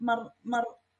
ma'r ma'r